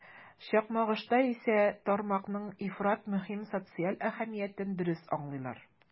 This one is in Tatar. Чакмагышта исә тармакның ифрат мөһим социаль әһәмиятен дөрес аңлыйлар.